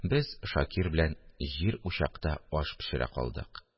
Без Шакир белән җир учакта аш пешерә калдык